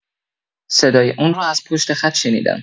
صدای اون رو از پشت خط شنیدم.